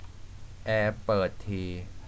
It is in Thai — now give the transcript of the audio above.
แอร์เปิดที